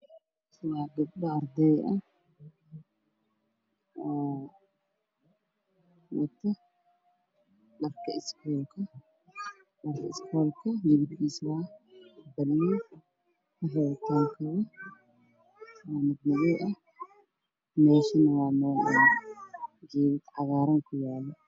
Waa arday wata dharkii iskuulka midabkiisu waa buluug